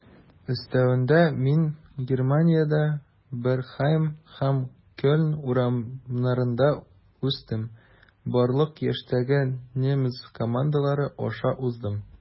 Өстәвенә, мин Германиядә, Бергхайм һәм Кельн урамнарында үстем, барлык яшьтәге немец командалары аша уздым.